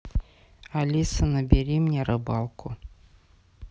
алиса набери мне рыбалку